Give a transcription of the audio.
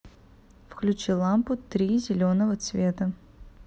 включи лампу три зеленого цвета